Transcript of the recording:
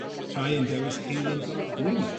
Rhai yn dewis Heilyn fab Gwyn.